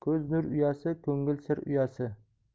ko'z nur uyasi ko'ngil sir uyasi